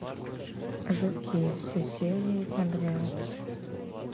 жуки все серии подряд